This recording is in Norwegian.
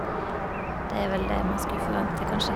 Det er vel det man skulle forvente, kanskje.